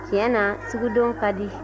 tiɲɛ na sugudon ka di